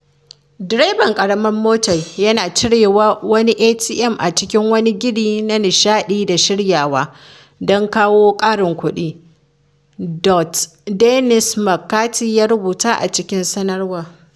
Direban ƙaramar motar yana cirewa wani ATM a cikin wani gini na nishaɗi da shiryawa don kawo ƙarin kuɗi, Det. Dennis McCarthy ya rubuta a cikin sanarwar.